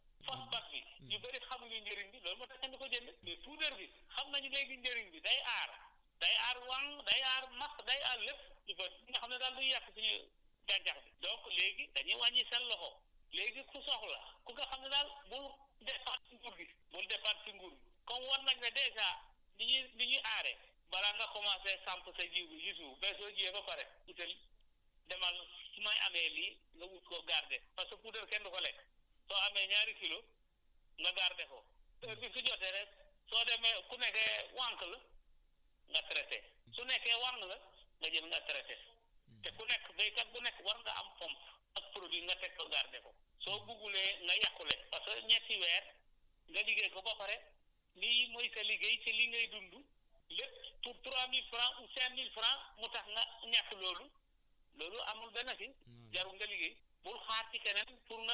mais xamuloo njëriñ li du ma ko jënd pour lan fas-fas bi ñu bëri xamuñu njëriñ bi loolu moo tax kenn du ko jënd mais puudar bi xam nañu léegi njëriñ bi day aar day aar waŋ day aar màtt day aar lépp yu bë yi nga xam ne daal day yàq gàncax gi donc léegi dañuy wàññi seen loxo léegi ku soxla ku nga xam ne daal mu ngi dépendre ci nguur gi muy dépendre ci nguur comme wax nañ la dèjà ni ñuy ni ñuy aaree bala nga commencer samp sa ji bi si suuf ba soo jiyee ba pare lu des demal nooy amee lii nga wut ko garder parce que puudar kenn du ko lekk soo amee ñaari kilo nga garder ko heure bi su jotee rek soo demee su nekkee wànq la nga traiter su nekkee waŋ la nga jël nga traiter te ku nekk béykat bu nekk war ngaa am pomp ak produit nga teg fa garder ko soo buggulee nga yàqule parce que ñetti weer nga liggéey ko ba pare lii mooy sa liggéey si lii ngay dund lépp trois mille franc ou cins mille franc mu tax nga ñàkk loolu loolu amul bénéfice